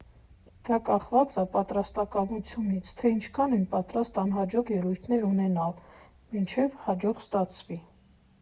Դա կախված ա պատրաստակամությունից, թե ինչքան ես պատրաստ անհաջող ելույթներ ունենալ, մինչև հաջող ստացվի ։